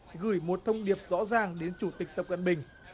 gửi một thông điệp rõ ràng đến chủ tịch tập cận bình